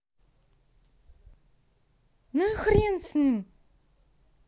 ну и хрен с ним